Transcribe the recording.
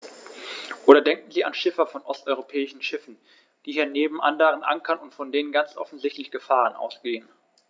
Oder denken Sie an Schiffer von osteuropäischen Schiffen, die hier neben anderen ankern und von denen ganz offensichtlich Gefahren ausgehen.